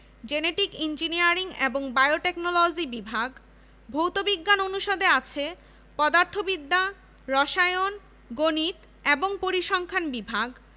information টেকনোলজিতে এক বছর মেয়াদি পোস্ট গ্রাজুয়েট ডিপ্লোমা ডিগ্রি অর্জনের সুযোগ রয়েছে এছাড়া রয়েছে পেশাগত প্রফেশনাল ডিপ্লোমা অর্জনের সুযোগ